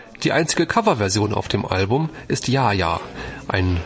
Die einzige Coverversion auf dem Albums ist Ya Ya, ein